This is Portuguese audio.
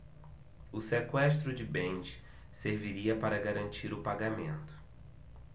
o sequestro de bens serviria para garantir o pagamento